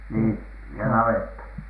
niin ja navetta